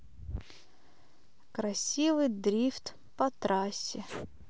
красивый дрифт по трассе